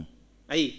a yiyii